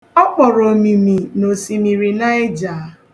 Ọ kpọrọ omimi n'Osimiri Naịja.